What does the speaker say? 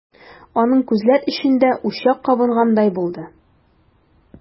Аның күзләр эчендә учак кабынгандай булды.